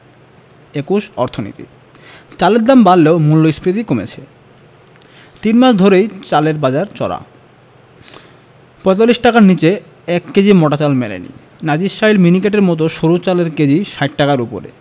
২১ অর্থনীতি চালের দাম বাড়লেও মূল্যস্ফীতি কমেছে তিন মাস ধরেই চালের বাজার চড়া ৪৫ টাকার নিচে ১ কেজি মোটা চাল মেলেনি নাজিরশাইল মিনিকেটের মতো সরু চালের কেজি ৬০ টাকার ওপরে